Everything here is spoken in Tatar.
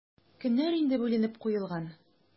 Көннәр инде бүленеп куелган.